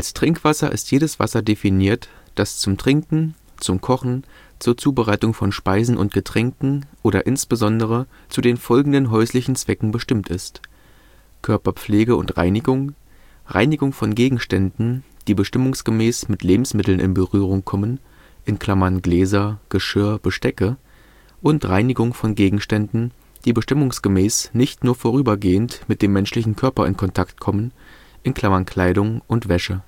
Trinkwasser ist jedes Wasser definiert, das zum Trinken, zum Kochen, zur Zubereitung von Speisen und Getränken oder insbesondere zu den folgenden häuslichen Zwecken bestimmt ist: Körperpflege und - reinigung Reinigung von Gegenständen, die bestimmungsgemäß mit Lebensmitteln in Berührung kommen (Gläser, Geschirr, Bestecke) Reinigung von Gegenständen, die bestimmungsgemäß nicht nur vorübergehend mit dem menschlichen Körper in Kontakt kommen (Kleidung, Wäsche